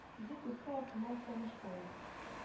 Үзе тузса артыннан сагыш кала